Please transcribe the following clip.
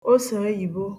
osèoyìbo